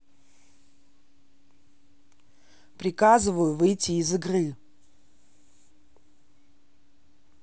приказываю выйти из игры